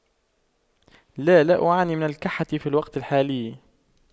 لا لا أعاني من الكحة في الوقت الحالي